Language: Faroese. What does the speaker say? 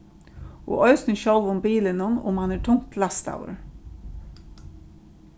og eisini sjálvum bilinum um hann er tungt lastaður